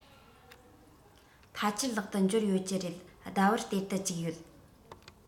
ཕལ ཆེར ལག ཏུ འབྱོར ཡོད ཀྱི རེད ཟླ བར སྟེར དུ བཅུག ཡོད